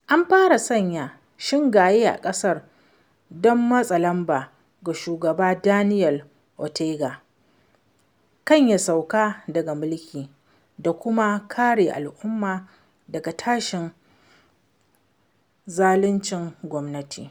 An fara sanya shingaye a ƙasar don matsa lamba ga Shugaba Daniel Ortega kan ya sauka daga mulki dakuma kare al’umma daga tashin zaluncin gwamnati.